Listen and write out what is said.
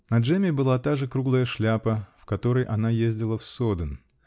На Джемме была та же круглая шляпа, в которой она ездила в Соден.